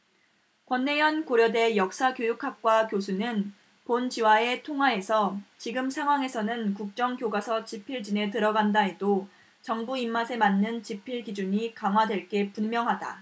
권내현 고려대 역사교육학과 교수는 본지와의 통화에서 지금 상황에서는 국정교과서 집필진에 들어간다 해도 정부 입맛에 맞는 집필 기준이 강화될 게 분명하다